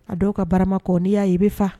A dɔw ka barama kɔ n'i y'a ye, i bɛ fa.